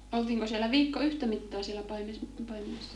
oltiinko siellä viikko yhtä mittaa siellä - paimenessa